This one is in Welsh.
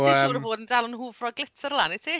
Yym ...ti siŵr o fod yn dal yn hwfro glitter lan wyt ti?